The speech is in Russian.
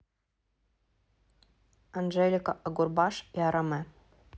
анжелика агурбаш и араме